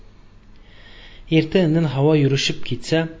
erta indin havo yurishib ketsa